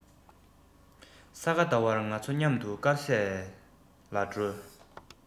ས ག ཟླ བར ང ཚོ མཉམ དུ དཀར ཟས ལ རོལ